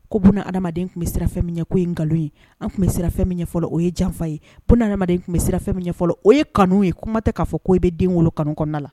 Ko bonna ha adamaden tun bɛ sira fɛn min ko ye nkalon ye an tun bɛ sira min ɲɛ o ye janfa ye ko adamadamaden tun bɛ sira fɛn min fɔlɔ o ye kanu ye kuma tɛ k'a fɔ ko' i bɛ den kanu kɔnɔna la